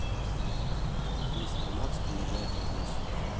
мистер макс переезжает в одессу